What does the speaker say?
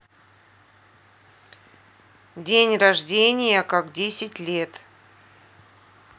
день рождения как десять лет